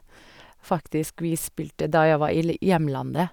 Faktisk vi spilte da jeg var i l hjemlandet.